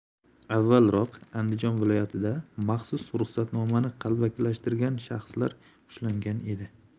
avvalroq andijon viloyatida maxsus ruxsatnomani qalbakilashtirgan shaxslar ushlangan edi